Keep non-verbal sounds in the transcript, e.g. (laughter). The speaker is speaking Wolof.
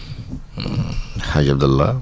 (hesitation) El Hadj Abdalah